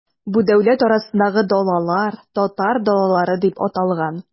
Бу дәүләт арасындагы далалар, татар далалары дип аталган.